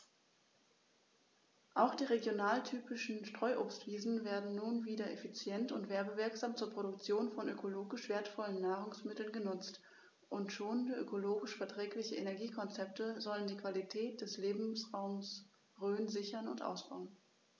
Auch die regionaltypischen Streuobstwiesen werden nun wieder effizient und werbewirksam zur Produktion von ökologisch wertvollen Nahrungsmitteln genutzt, und schonende, ökologisch verträgliche Energiekonzepte sollen die Qualität des Lebensraumes Rhön sichern und ausbauen.